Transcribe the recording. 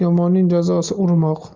yomonning jazosi urmoq